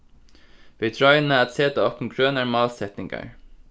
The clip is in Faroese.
vit royna at seta okkum grønar málsetningar